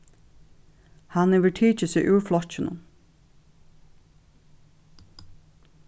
hann hevur tikið seg úr flokkinum